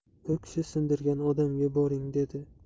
u kishi sindirgan odamga boring dedi